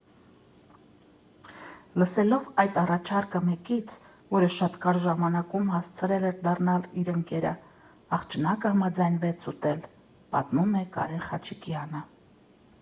Լսելով այդ առաջարկը մեկից, որը շատ կարճ ժամանակում հասցրել էր դառնալ իր ընկերը, աղջնակը համաձայնվեց ուտել»,֊ պատմում է Կարեն Խաչիկյանը։